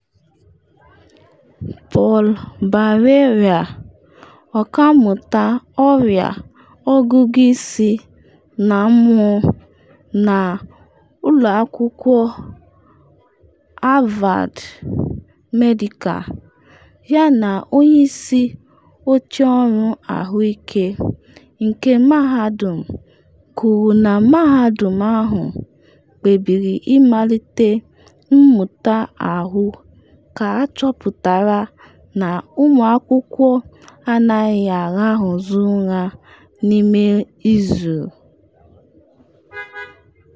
Paul Barreira, ọkammụta ọrịa ọgụgụ isi na mmụọ na Harvard Medical School yana onye isi oche ọrụ ahụike nke mahadum, kwuru na mahadum ahụ kpebiri ịmalite mmụta ahụ ka achọpụtara na ụmụ akwụkwọ anaghị arahụzu ụra n’ime izu.